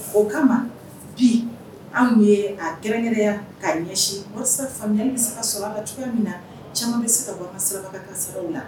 O kama bi anw ye a kɛrɛnkɛrɛnya ka ɲɛsin walasa faamuyali bɛ se ka sɔrɔ a la cogoya min na caman be se ka bɔ siraba kan kasaraw la.